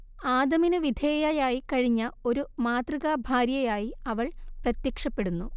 ആദമിനു വിധേയയായി കഴിഞ്ഞ ഒരു മാതൃകാഭാര്യ യായി അവൾ പ്രത്യക്ഷപ്പെടുന്നു